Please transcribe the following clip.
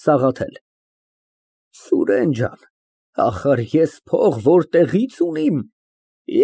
ՍԱՂԱԹԵԼ ֊ Սուրեն ջան, ախար ես փող որտեղի՞ց ունիմ։